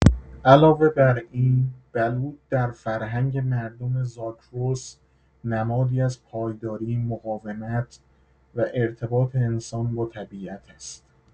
علاوه بر این، بلوط در فرهنگ مردم زاگرس نمادی از پایداری، مقاومت و ارتباط انسان با طبیعت است.